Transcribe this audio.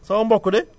sama mbokk de